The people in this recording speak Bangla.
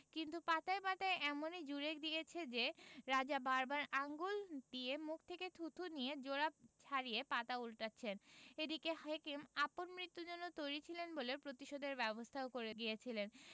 কিন্তু পাতায় পাতায় এমনি জুড়ে গিয়েছে যে রাজা বার বার আঙুল দিয়ে মুখ থেকে থুথু নিয়ে জোড়া ছাড়িয়ে পাতা উল্টোচ্ছেন এদিকে হেকিম আপন মৃত্যুর জন্য তৈরি ছিলেন বলে প্রতিশোধের ব্যবস্থাও করে গিয়েছিলেন